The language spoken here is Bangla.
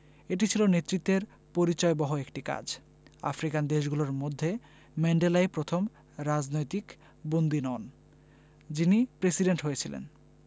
এটা ছিল নেতৃত্বের পরিচয়বহ একটি কাজ আফ্রিকান দেশগুলোর মধ্যে ম্যান্ডেলাই প্রথম রাজনৈতিক বন্দী নন যিনি প্রেসিডেন্ট হয়েছিলেন